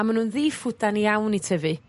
A ma' nw'n ddiffwdan iawn i tyfu